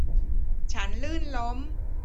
ฉันลื่นล้ม